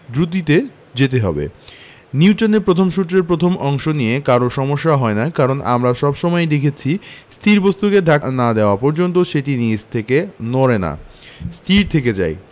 দ্রুতিতে যেতে হবে নিউটনের প্রথম সূত্রের প্রথম অংশ নিয়ে কারো সমস্যা হয় না কারণ আমরা সব সময়ই দেখেছি স্থির বস্তুকে ধাক্কা না দেওয়া পর্যন্ত সেটা নিজে থেকে নড়ে না স্থির থেকে যায়